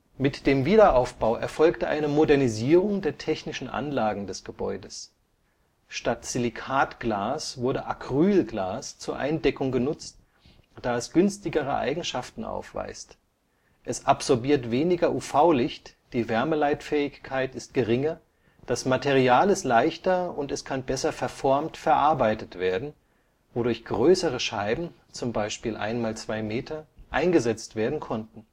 Mit dem Wiederaufbau erfolgte eine Modernisierung der technischen Anlagen des Gebäudes. Statt Silikatglas wurde Acrylglas zur Eindeckung genutzt, da es günstigere Eigenschaften aufweist; es absorbiert weniger UV-Licht, die Wärmeleitfähigkeit ist geringer, das Material ist leichter und es kann besser verformt verarbeitet werden, wodurch größere Scheiben (1 m × 2 m) eingesetzt werden konnten